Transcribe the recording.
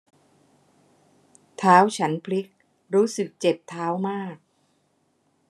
เท้าฉันพลิกรู้สึกเจ็บเท้ามาก